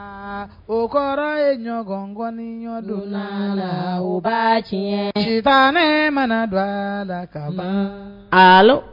O kɔrɔ ye ɲɔgɔn nkɔni ɲɔdon la la ba tiɲɛ faama mana don la kaba sa